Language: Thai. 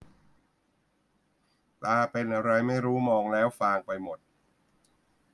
ตาเป็นอะไรไม่รู้มองแล้วฟางไปหมด